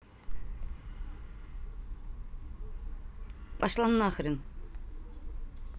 пошла на хрен